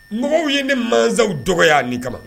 Mɔgɔw ye ni mansaw dɔgɔ yya nin kama